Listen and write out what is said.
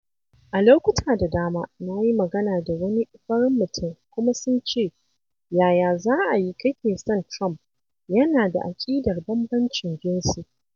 "A lokuta da dama na yi magana da wani farin mutum kuma sun ce: "Yaya za a yi kake son Trump, yana da aƙidar bambancin jinsi?"